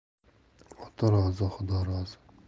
ota rozi xudo rozi